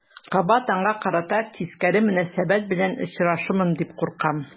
Кабат аңа карата тискәре мөнәсәбәт белән очрашырмын дип куркам.